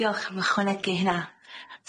Diolch am ychwanegu hynna.